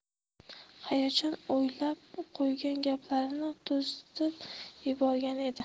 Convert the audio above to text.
hayajon o'ylab qo'ygan gaplarini to'zitib yuborgan edi